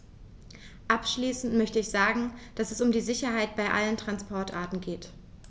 Abschließend möchte ich sagen, dass es um die Sicherheit bei allen Transportarten geht.